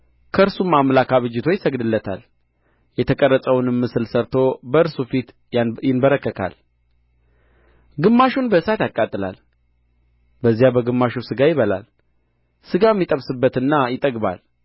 ከእርሱም አምላክ አበጅቶ ይሰግድለታል የተቀረጸውንም ምስል ሠርቶ በእርሱ ፊት ይንበረከካል ግማሹን በእሳት ያቃጥላል በዚያ በግማሹ ሥጋ ይበላል ሥጋም ይጠብስበትና ይጠግባል